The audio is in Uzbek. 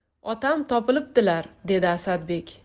otam topildilar dedi asadbek